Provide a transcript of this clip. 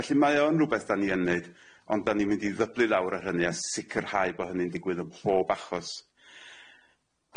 Felly mae o'n rwbeth dan ni yn neud ond dan ni'n mynd i ddyblu lawr ar hynny a sicirhau bo' hynny'n digwydd ym mhob achos.